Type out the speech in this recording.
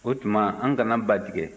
o tuma an kana ba tigɛ